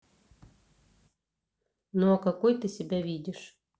ну а какой ты себя видишь